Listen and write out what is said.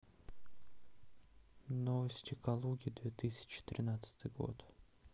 новости калуги две тысячи тринадцатый год